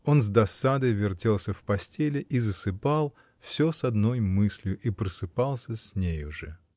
Он с досадой вертелся в постели и засыпал — всё с одной мыслью и просыпался с нею же.